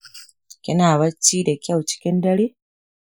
kina bacci da kyau cikin dare?